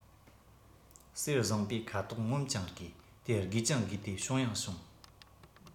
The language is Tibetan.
གསེར བཟང པོའི ཁ དོག ངོམས ཀྱང དགོས དེ དགོས ཀྱང དགོས ཏེ བྱུང ཡང བྱུང